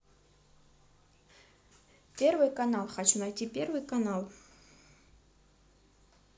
первый канал хочу найти первый канал